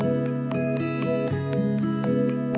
người